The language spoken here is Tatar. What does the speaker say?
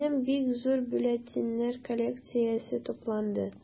Минем бик зур бюллетеньнәр коллекциясе тупланды.